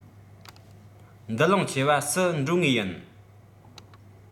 འདུ ལོང ཆེ བ སུ འགྲོ ངེས ཡིན